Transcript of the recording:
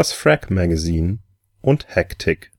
Phrack-Magazin Hack-Tic